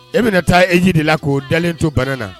E bɛna taa eji de la k koo dalen to bana na